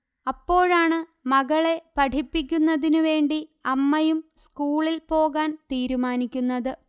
അപ്പോഴാണ് മകളെ പഠിപ്പിക്കുന്നതിനുവേണ്ടി അമ്മയും സ്ക്കൂളിൽ പോകാൻ തീരുമാനിക്കുന്നത്